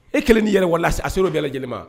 E kelen di yɛrɛ wa a sera'o bɛɛ yɛlɛ lajɛlen ma